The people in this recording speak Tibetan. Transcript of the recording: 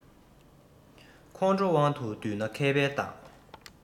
ཁོང ཁྲོ དབང དུ འདུས ན མཁས པའི རྟགས